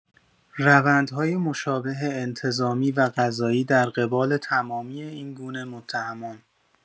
روندهای مشابه انتظامی و قضایی در قبال تمامی این‌گونه متهمان